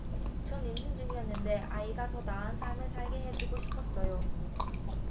전 임신 중이었는데 아이가 더 나은 삶을 살게 해 주고 싶었어요